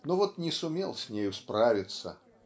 но вот не сумел с нею справиться.